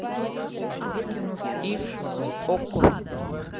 и окко